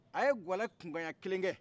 a ye gɛlɛ kunkan ɲa kelen kɛ